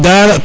ga a no